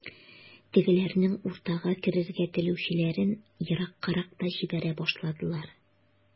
Тегеләрнең уртага керергә теләүчеләрен ераккарак та җибәрә башладылар.